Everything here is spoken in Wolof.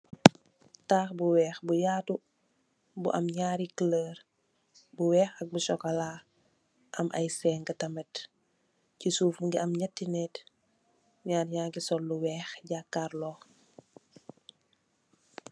Taax bu weex bu yaatu, bu am ñaari kuloor, bu weeh, ak bu sokolaa, am aye seeg tamit, chi suuf mungi am ñati nit, ñaar ñangi sol lu weex jakaarloo.